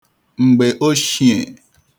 m̀gbè oshìè